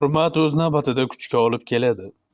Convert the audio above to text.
hurmat o'z navbatida kuchga olib keladi